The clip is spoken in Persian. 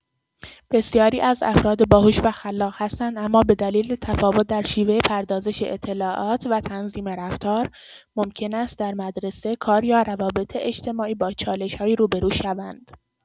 بسیاری از افراد باهوش و خلاق هستند اما به دلیل تفاوت در شیوه پردازش اطلاعات و تنظیم رفتار، ممکن است در مدرسه، کار یا روابط اجتماعی با چالش‌هایی روبه‌رو شوند.